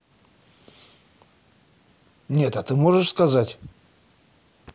нет а ты можешь сказать